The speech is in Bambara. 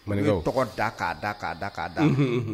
Inke tɔgɔ da k'a da k'a da k'a da